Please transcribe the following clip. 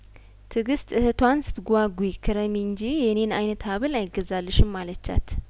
ትግስት እህቷን ስትጓጉ ክረሚ እንጂ የኔን አይነት ሀብል አይገዛልሽም አለቻት